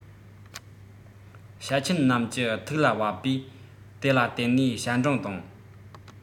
བྱ ཆེན རྣམས ཀྱི ཐུགས ལ བབས པས དེ ལ བརྟེན ནས བྱ འབྲིང དང